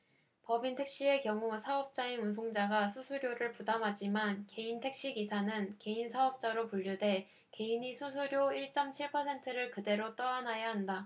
법인택시의 경우 사업자인 운송사가 수수료를 부담하지만 개인택시 기사는 개인사업자로 분류돼 개인이 수수료 일 쩜 칠 퍼센트를 그대로 떠안아야 한다